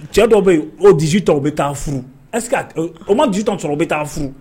Cɛ dɔw bɛ yen o disi ta u bɛ taa furu ɛ que o ma di ta sɔrɔ u bɛ taa furu